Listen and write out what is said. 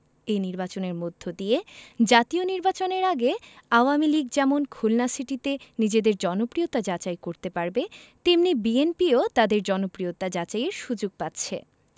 এই নির্বাচনের মধ্য দিয়ে জাতীয় নির্বাচনের আগে আওয়ামী লীগ যেমন খুলনা সিটিতে নিজেদের জনপ্রিয়তা যাচাই করতে পারবে তেমনি বিএনপিও তাদের জনপ্রিয়তা যাচাইয়ের সুযোগ পাচ্ছে